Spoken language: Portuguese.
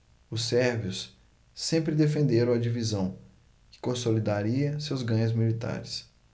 os sérvios sempre defenderam a divisão que consolidaria seus ganhos militares